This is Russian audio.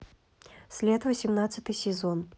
след восемнадцатый сезон